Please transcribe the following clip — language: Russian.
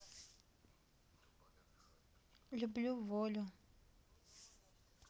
люблю волю